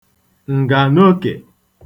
ǹgànokè